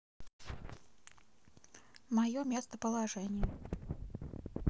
мое местоположение